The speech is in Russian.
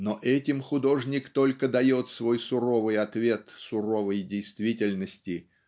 Но этим художник только дает свой суровый ответ суровой действительности